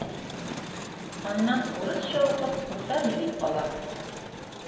Аннан урысча укып урта белем ала.